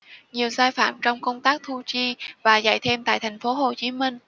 nhiều sai phạm trong công tác thu chi và dạy thêm tại thành phố hồ chí minh